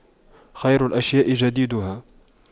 خير الأشياء جديدها